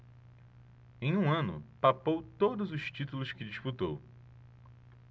em um ano papou todos os títulos que disputou